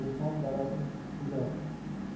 dehqon dalasin suzar